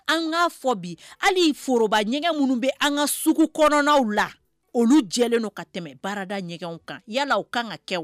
An ka fɔ bi. Hali foroba ɲɛgɛn munun bi an ka sugu kɔnɔnaw la, olu jɛlen don ka tɛmɛ baarada ɲɛgɛnw kan. Yala o kan ka kɛ